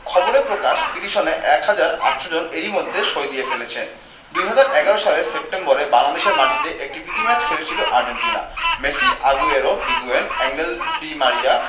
খবরে প্রকাশ পিটিশনে ১ হাজার ৮০০ জন এরই মধ্যে সই দিয়ে ফেলেছেন ২০১১ সালের সেপ্টেম্বরে বাংলাদেশের মাটিতে একটি প্রীতি ম্যাচ খেলেছিল Argentina Messi Aguero Higuain Angel Di মারিয়া